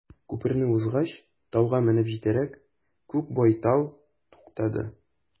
Күперне узгач, тауга менеп җитәрәк, күк байтал туктады.